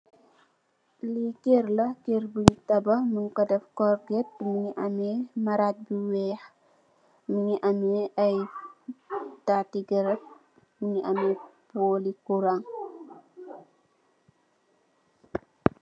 Le kerr la.kerr bun tabax nyu ko def korget mugi ameh marage bu weex mugi am tati garab mugi ameh poli kuraan.